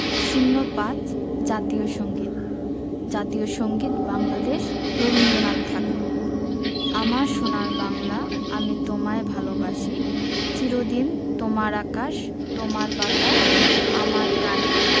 ০৫ জাতীয় সংগীত জাতীয় সংগীত বাংলাদেশ রবীন্দনাথ ঠাকুর আমার সোনার বাংলা আমি তোমায় ভালোবাসি চিরদিন তোমার আকাশ তোমার বাতাস আমার প্রাণে